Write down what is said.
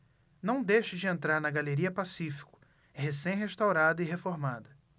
não deixe de entrar na galeria pacífico recém restaurada e reformada